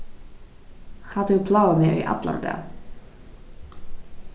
hatta hevur plágað meg í allan dag